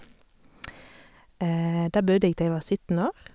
Der bodde jeg til jeg var sytten år.